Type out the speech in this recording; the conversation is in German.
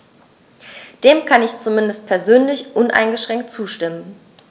Dem kann ich zumindest persönlich uneingeschränkt zustimmen.